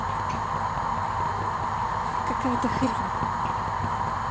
какая то хрень